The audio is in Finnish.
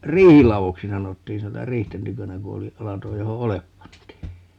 riihiladoksi sanottiin -- riihten tykönä kun oli lato johon oljet pantiin